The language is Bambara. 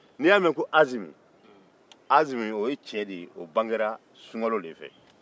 n'i y'a mɛn ko azimi o ye cɛ de ye min bangera sunkalo fɛ